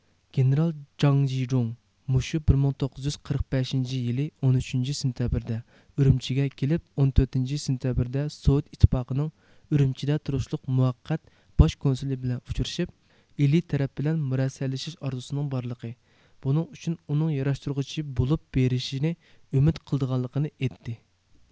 گېنېرال جاڭجىجۇڭ مۇشۇ بىر مىڭ توققۇز يۈز قىرىق بەشىنچى يىلى ئون ئۈچىنچى سېنتەبىردە ئۈرۈمچىگە كېلىپ ئون تۆتىنچى سېنتەبىردە سوۋېت ئىتتىپاقىنىڭ ئۈرۈمچىدە تۇرۇشلۇق مۇۋەققەت باش كونسۇلى بىلەن ئۇچرىشىپ ئىلى تەرەپ بىلەن مۇرەسسەلىشىش ئارزۇسىنىڭ بارلىقى بۇنىڭ ئۈچۈن ئۇنىڭ ياراشتۇرغۇچى بولۇپ بېرىشىنى ئۈمىد قىلىدىغانلىقىنى ئېيتتى